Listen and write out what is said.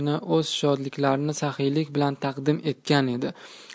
o'z shodliklarini saxiylik bilan taqdim etgan edi